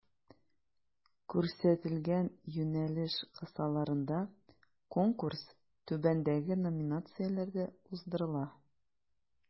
Күрсәтелгән юнәлеш кысаларында Конкурс түбәндәге номинацияләрдә уздырыла: